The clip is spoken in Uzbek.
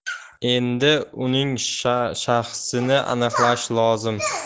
endi uning shaxsini aniqlash lozim